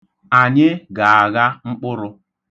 Anyị ga-agha mkpụrụ.